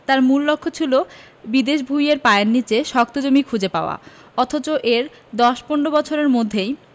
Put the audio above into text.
তাঁর মূল লক্ষ্য ছিল বিদেশ বিভুঁইয়ে পায়ের নিচে শক্ত জমি খুঁজে পাওয়া অথচ এর ১০ ১৫ বছরের মধ্যেই